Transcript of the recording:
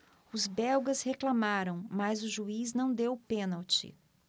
os belgas reclamaram mas o juiz não deu o pênalti